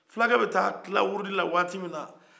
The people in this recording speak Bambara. fulakɛ bɛ taa tila wurudili la waati min na